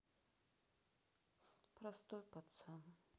простой пацан